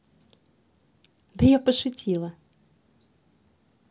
да я пошутила